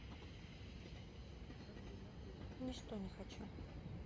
ничто не хочу